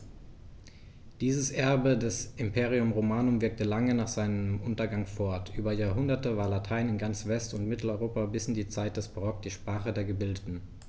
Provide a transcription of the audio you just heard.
Dieses Erbe des Imperium Romanum wirkte lange nach seinem Untergang fort: Über Jahrhunderte war Latein in ganz West- und Mitteleuropa bis in die Zeit des Barock die Sprache der Gebildeten.